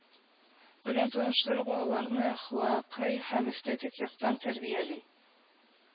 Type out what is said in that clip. Белəн таныштыру балаларны əхлакый һəм эстетик яктан тəрбияли,